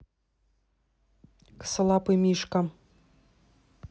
косолапый мишка